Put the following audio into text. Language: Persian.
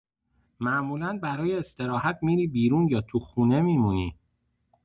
معمولا برای استراحت می‌ری بیرون یا تو خونه می‌مونی؟